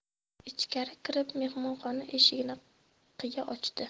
ichkari kirib mehmonxona eshigini qiya ochdi